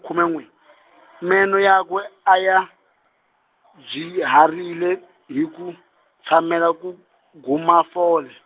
kume n'we , meno yakwe a ya, dzwiharile hi ku, tshamela ku, guma fole.